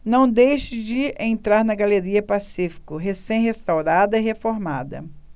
não deixe de entrar na galeria pacífico recém restaurada e reformada